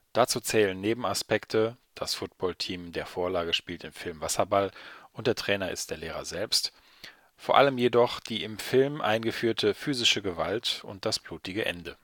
Dazu zählen Nebenaspekte – das Footballteam der Vorlage spielt im Film Wasserball, und der Trainer ist der Lehrer selbst – vor allem jedoch die im Film eingeführte physische Gewalt und das blutige Ende